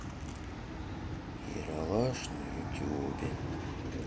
ералаш на ютубе